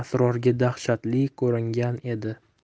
asrorga daxshatli ko'ringan edi